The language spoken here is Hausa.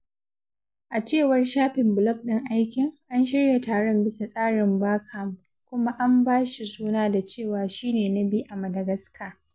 A cewar shafin blog ɗin aikin, an shirya taron bisa tsarin Barcamp, kuma an ba shi suna da cewa shine na biyu a Madagascar.